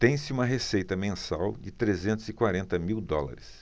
tem-se uma receita mensal de trezentos e quarenta mil dólares